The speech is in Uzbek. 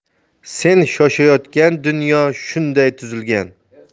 sen yashayotgan dunyo shunday tuzilgan